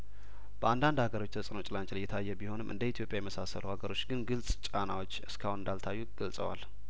በአንዳንድ ሀገሮች የተጽእኖው ጭላንጭል እየታየ ቢሆንም እንደ ኢትዮጵያ በመሳሰሉ ሀገሮች ግን ግልጽ ጫናዎች እስካሁን እንዳልታዩ ገልጸዋል